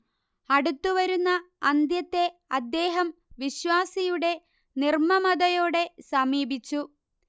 അടുത്തുവരുന്ന അന്ത്യത്തെ അദ്ദേഹം വിശ്വാസിയുടെ നിർമ്മമതയോടെ സമീപിച്ചു